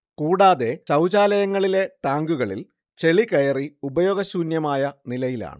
കൂടാതെ ശൗചാലയങ്ങളിലെ ടാങ്കുകളിൽ ചെളികയറി ഉപയോഗശൂന്യമായ നിലയിലാണ്